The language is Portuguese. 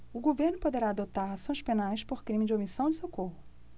o governo poderá adotar ações penais por crime de omissão de socorro